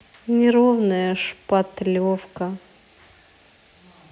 не ровная шпатлевка